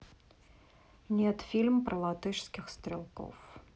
нет фильм про латышских стрелков